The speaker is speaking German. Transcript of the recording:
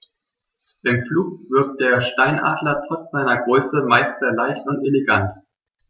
Im Flug wirkt der Steinadler trotz seiner Größe meist sehr leicht und elegant.